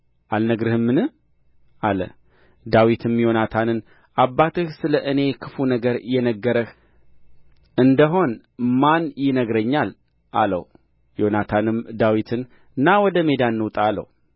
አልነግርህምን አለ ዳዊትም ዮናታንን አባትህ ስለ እኔ ክፉ ነገር የነገረህ እንደ ሆን ማን ይነግረኛል አለው ዮናታንም ዳዊትን ና ወደ ሜዳ እንውጣ አለው